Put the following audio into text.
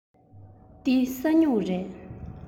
འདི ས སྨྱུག རེད